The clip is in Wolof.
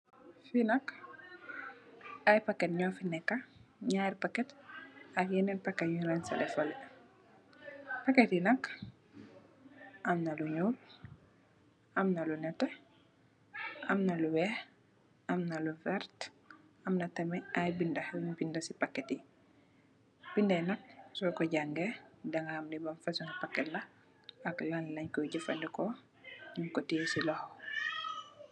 There are several packs and two packs are arranged the other side. The packs have black, yellow, white, green and some writings. When one reads the writings, the contents and their use can be identified.